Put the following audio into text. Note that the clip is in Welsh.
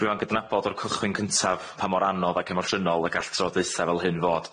Rwy' am gydnabod o'r cychwyn cyntaf pa mor anodd ac emosiynol y gall trafodaetha fel hyn fod.